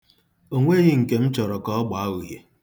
O nweghị nke m chọrọ ka ọ gbaa uhie.